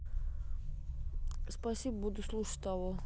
спасибо буду слушать того